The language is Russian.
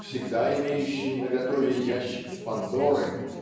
всегда имеющий наготове ящик Пандоры